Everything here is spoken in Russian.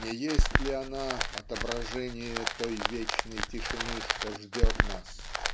не есть ли она отображение той вечной тишины что ждет нас?